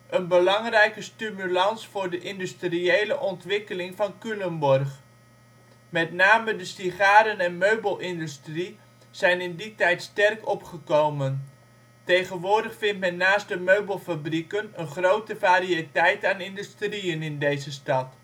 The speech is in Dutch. een belangrijke stimulans voor de industriële ontwikkeling van Culemborg. Met name de sigaren - en meubelindustrie zijn in die tijd sterk opgekomen. Tegenwoordig vindt men naast de meubelfabrieken een grote variëteit aan industrieën in deze stad